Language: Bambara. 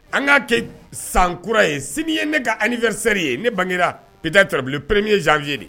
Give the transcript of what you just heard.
An k'a kɛ san kura ye sini ye ne ka ali2sɛri ye ne bangera p da tribu premeye zvyye de